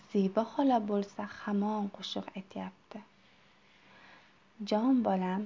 zebi xola bo'lsa hamon qo'shiq aytyapti jon bolam